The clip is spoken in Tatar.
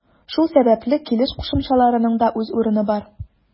Шул сәбәпле килеш кушымчаларының да үз урыны бар.